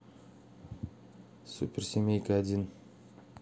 суперсемейка один